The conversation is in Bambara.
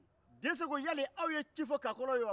dese ko yali aw ye ci fɔ kakɔlɔw ye wa